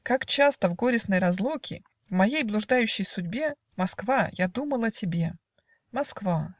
Как часто в горестной разлуке, В моей блуждающей судьбе, Москва, я думал о тебе! Москва.